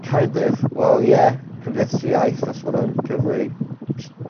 Kind of wel ie Cymdeithas y Iaith os ma wnna'n cyfri. Ts-.